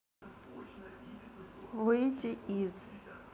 выйти из